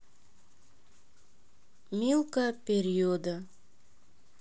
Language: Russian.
milka периода